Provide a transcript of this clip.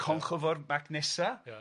Ia. Conchofor Magnesa. Ia.